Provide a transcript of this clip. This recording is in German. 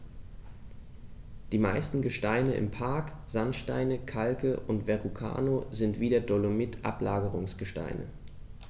Die meisten Gesteine im Park – Sandsteine, Kalke und Verrucano – sind wie der Dolomit Ablagerungsgesteine.